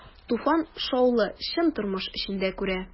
Туфан шаулы, чын тормыш эчендә күрә.